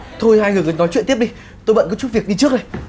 thôi hai người cứ nói chuyện tiếp đi tôi bận có chút việc đi trước đây